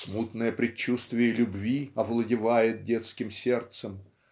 Смутное предчувствие любви овладевает детским сердцем